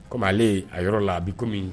Kɔmi ale a yɔrɔ la a bɛ kɔmimi